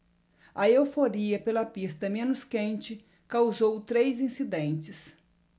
a euforia pela pista menos quente causou três incidentes